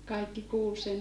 kaikki kuuli sen